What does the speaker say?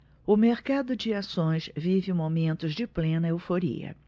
o mercado de ações vive momentos de plena euforia